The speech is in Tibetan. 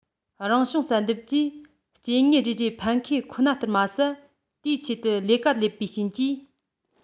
རང བྱུང བསལ འདེམས ཀྱིས སྐྱེ དངོས རེ རེའི ཕན ཁེ ཁོ ན ལྟར མ ཟད དེའི ཆེད དུ ལས ཀ ལས པའི རྐྱེན གྱིས